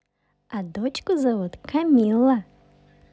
а дочку зовут камилла